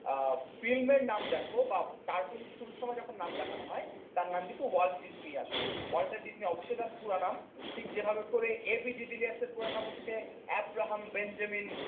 ফিল্মের নাম দেখো বা কার্টুন শুরুর সময় যখন নাম দেখানো হয় তার নাম কিন্তু ওয়াল্ট ডিজনি আসে ওয়াল্টার ডিজনি অবশ্যই তার পুরা নাম ঠিক যেভাবে করে এ বি ডি ভিলিয়ার্স এর পুরা নাম হচ্ছে আব্রাহাম বেঞ্জামিন